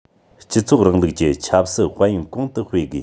སྤྱི ཚོགས རིང ལུགས ཀྱི ཆབ སྲིད དཔལ ཡོན གོང དུ སྤེལ དགོས